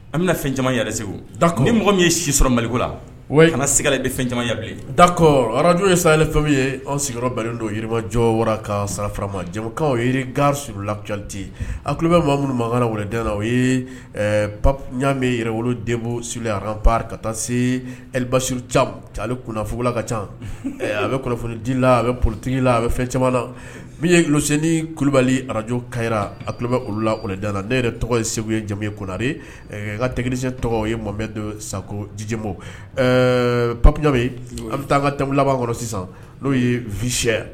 An bɛna fɛn caman segu ni mɔgɔ min ye si sɔrɔ maliku la o kana siga fɛn camanya dakɔ arajo ye saya fɛnw ye an sigiyɔrɔba don yirimajɔ wara ka sanfa ma jamukaw gari slati a kulo bɛ ma minnu mankanga wɛrɛdna o ye pa y'mɛ yɛrɛolo denbo siri apri ka taa sebauru kunnafugula ka ca a bɛ kunnafonidi la a bɛ porotigi la a bɛ fɛn caman la min ye snin kulubali arajo kara a kulobɛ olu la o da la ne yɛrɛ tɔgɔ ye segu ye jamu ye konare ka tɛmɛ tɔgɔ ye mɔ don sakɔ jibo papija an bɛ taa an ka tɛmɛ laban kɔnɔ sisan n'o ye vyɛ